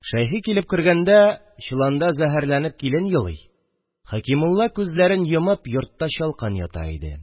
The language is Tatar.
Шәйхи килеп кергәндә, чоланда зәһәрләнеп килен елый, Хәкимулла күзләрен йомып йортта чалкан ята иде